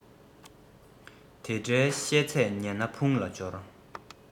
དེ འདྲའི བཤད ཚད ཉན ན ཕུང ལ སྦྱོར